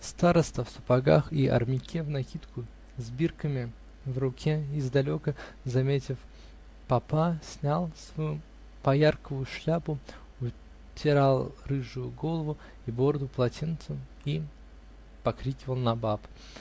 Староста, в сапогах и армяке внакидку, с бирками в руке, издалека заметив папа, снял свою поярковую шляпу, утирал рыжую голову и бороду полотенцем и покрикивал на баб.